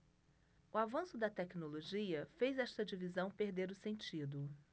o avanço da tecnologia fez esta divisão perder o sentido